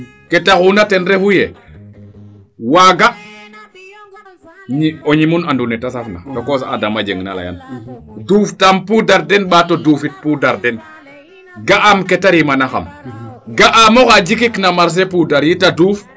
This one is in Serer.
ke taxuuna ten refu yee waaga o ñimun andu neete safna Boss Adama Dieng na leyan duuf taam poudre den mbaato duufit poudre den ga aam keete rima naxam ga'am oxa jikit ina marchée poudre yit a duuf